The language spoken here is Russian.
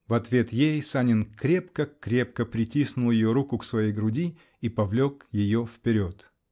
В ответ ей Санин крепко-крепко притиснул ее руку к своей груди и повлек ее вперед.